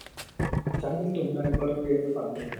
ฉันมีตุ่มในบริเวณฝ่ามือ